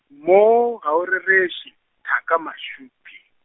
moo ga o rereše, thaka Mashupje.